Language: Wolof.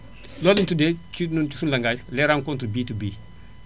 loolu lañnu tuddee ci suñu langage les rencontres be to be